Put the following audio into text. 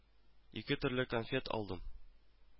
Ике төрле конфет алдым